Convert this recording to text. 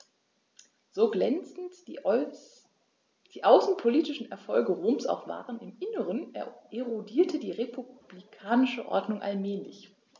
So glänzend die außenpolitischen Erfolge Roms auch waren: Im Inneren erodierte die republikanische Ordnung allmählich.